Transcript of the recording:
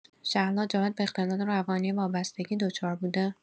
شهلا جاهد به اختلال روانی وابستگی دچار بوده؟